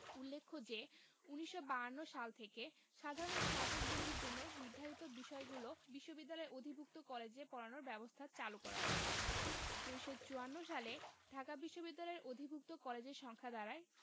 উল্লেখ্য যে ১৯৫২ সাল থেকে সাধারণ স্নাতক ডিগ্রির জন্য নির্ধারিত বিষয়গুলো বিশ্ববিদ্যালয়ের অধিভুক্ত কলেজে পড়ানোর ব্যবস্থা চালু করা হয় ১৯৫৪ সালে ঢাকা বিশ্ববিদ্যালয়ের অধিভুক্ত কলেজের সংখ্যা দাঁড়ায়